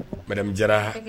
Mmu jara